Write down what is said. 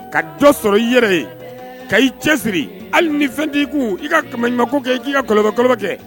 Ka dɔ sɔrɔ i yɛrɛ ye ka i cɛ siri hali ni fɛn t' ii kun i ka ka ɲuman kɛ i'i kakɔba koloba kɛ